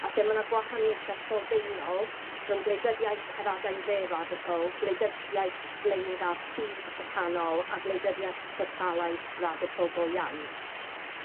A lle ma' 'na gwahaniaethe sylfaenol rhwng gwleidyddiaeth yr adain dde radical, gwleidyddiaeth flaengar sig y canol, a gwleidyddieth sosialaidd radical go iawn.